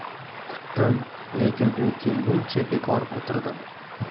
kutdim lekin u kelguncha bekor o'tirdim